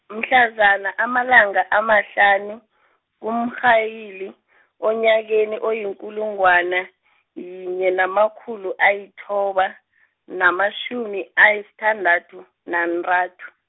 mhlazana amalanga amahlanu , kuMrhayili , onyakeni oyinkulungwana , yinye, namakhulu ayithoba, namatjhumi ayisithandathu, nantathu.